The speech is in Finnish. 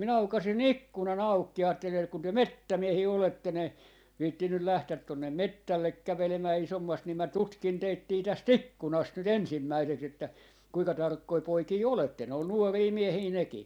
minä aukaisin ikkunan auki ja ajattelin että kun te metsämiehiä olette - viitsinyt lähteä tuonne metsälle kävelemään isommasti niin minä tutkin teittä tästä ikkunasta nyt ensimmäiseksi että kuinka tarkkoja poikia olette oli nuoria miehiä nekin